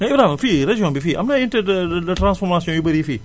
mais Ibrahima fii région bi fii am na ay unité de de de transformation yu bari yi fii